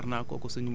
booyal sa tool